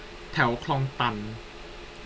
แถวคลองตัน